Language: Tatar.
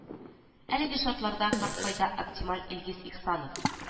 Әлеге шартларда һәркайда оптималь илгиз ихсанов